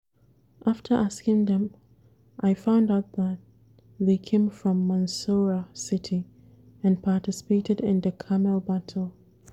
After asking them, I found out that they came from Mansoura city and participated in the “Camel Battle”.